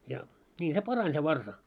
ja niin se parani se varsa